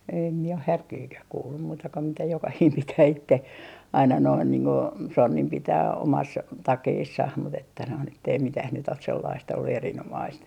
en minä ole härkiäkään kuullut muuta kuin mitä jokainen pitää itse aina noin niin kuin sonnin pitää omassa takeessaan mutta että noin että ei mitään nyt ole sellaista ollut erinomaista